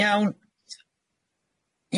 Iawn.